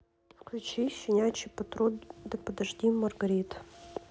включи щенячий патруль да подожди маргарит